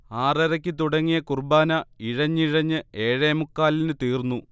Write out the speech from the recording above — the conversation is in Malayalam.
ആറരയ്ക്ക് തുടങ്ങിയ കുർബ്ബാന ഇഴഞ്ഞിഴഞ്ഞ് ഏഴേമുക്കാലിന് തീർന്നു